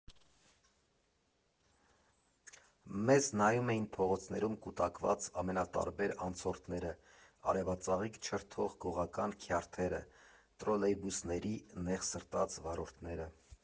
Մեզ նայում էին փողոցներում կուտակված անտարբեր անցորդները, արևածաղիկ չրթող, գողական քյարթերը, տրոլեյբուսների նեղսրտած վարորդները։